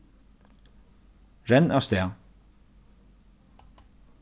renn avstað